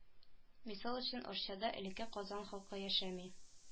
Мисал өчен арчада элекке казан халкы яшәми